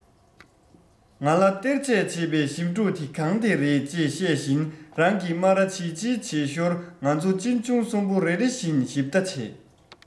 ང ལ སྟེར ཆད བྱེད པའི ཞི ཕྲུག དེ གང དེ རེད ཅེས བཤད བཞིན རང གི སྨ རར བྱིལ བྱིལ བྱེད ཞོར ང ཚོ གཅེན གཅུང གསུམ པོ རེ རེ བཞིན ཞིབ ལྟ བྱས